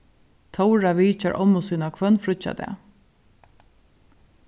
tóra vitjar ommu sína hvønn fríggjadag